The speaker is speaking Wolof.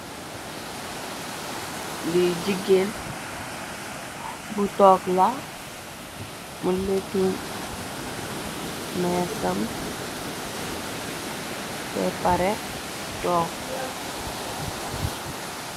Li jigéen bu toog la mu lettu mesam, bè parè toog.